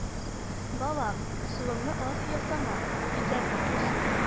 – балам, суыңны аз ясама, җитәрлек булсын